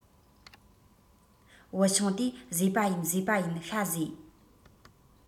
བུ ཆུང དེས བཟས པ ཡིན བཟས པ ཡིན ཤ བཟས